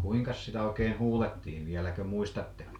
kuinkas sitä oikein huudettiin vieläkö muistatte